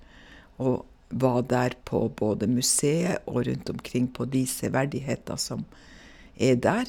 Og var der på både museet og rundt omkring på de severdigheter som er der.